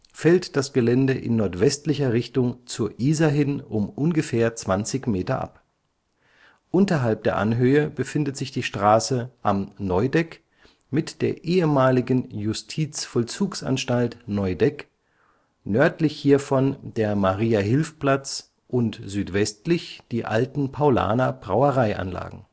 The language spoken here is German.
fällt das Gelände in nordwestlicher Richtung zur Isar hin um ungefähr 20 m ab. Unterhalb der Anhöhe befindet sich die Straße Am Neudeck mit der ehemaligen Justizvollzugsanstalt Neudeck, nördlich hiervon der Mariahilfplatz und südwestlich die alten Paulaner-Brauereianlagen